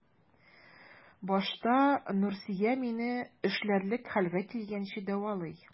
Башта Нурсөя мине эшләрлек хәлгә килгәнче дәвалый.